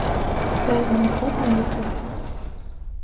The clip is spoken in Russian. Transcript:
вязаный кот на ютуб